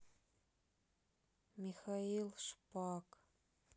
михаил шпак